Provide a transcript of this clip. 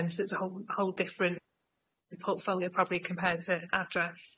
Yym so it's a whole whole different portfolio probably compared to Adra.